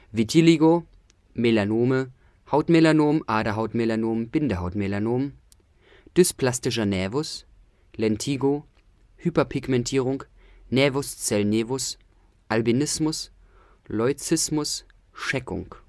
Vitiligo Melanome (Hautmelanom, Aderhautmelanom, Bindehautmelanom) Dysplastischer Nävus Lentigo Hyperpigmentierung Nävuszellnävus Albinismus Leuzismus Scheckung